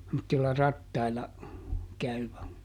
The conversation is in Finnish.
semmoisilla rattailla käyvä